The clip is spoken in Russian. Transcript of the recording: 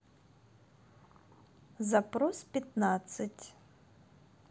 запрос пятнадцать